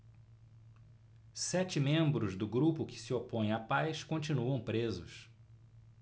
sete membros do grupo que se opõe à paz continuam presos